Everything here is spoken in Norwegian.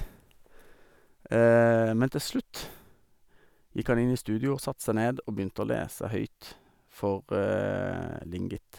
Men til slutt gikk han inn i studio og satte seg ned og begynte å lese høyt for Lingit.